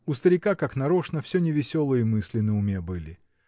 у старика, как нарочно, все невеселые мысли на уме были.